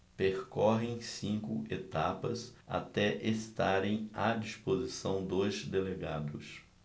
percorrem cinco etapas até estarem à disposição dos delegados